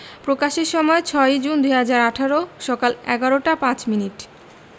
প্রকাশের সময় ৬ ই জুন ২০১৮ সকাল ১১টা ৫ মিনিট